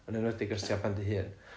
Yn enwedig os ti ar ben dy hun